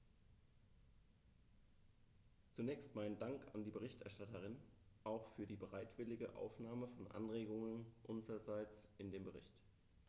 Zunächst meinen Dank an die Berichterstatterin, auch für die bereitwillige Aufnahme von Anregungen unsererseits in den Bericht.